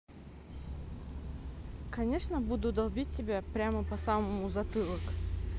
конечно буду тебя долбить прямо по самому затылок